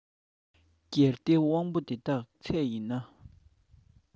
གལ ཏེ དབང པོ འདི དག ཚད ཡིན ན